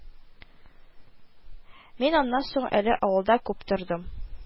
Мин аннан соң әле авылда күп тордым